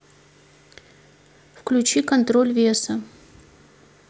включи контроль веса